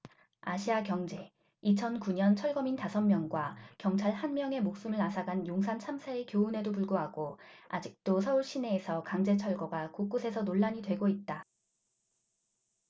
아시아경제 이천 구 년 철거민 다섯 명과 경찰 한 명의 목숨을 앗아간 용산참사의 교훈에도 불구하고 아직도 서울 시내에서 강제철거가 곳곳에서 논란이 되고 있다